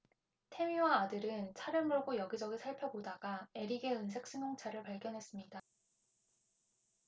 태미와 아들은 차를 몰고 여기 저기 살펴보다가 에릭의 은색 승용차를 발견했습니다